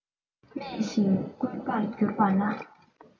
སྨྲས ཤིང བསྐུལ བར གྱུར པ ན